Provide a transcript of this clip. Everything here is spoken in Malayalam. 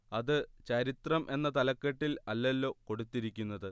അത് ചരിത്രം എന്ന തലക്കെട്ടിൽ അല്ലല്ലോ കൊടുത്തിരിക്കുന്നത്